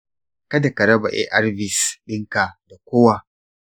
ka da ka raba arvs ɗinka da kowa.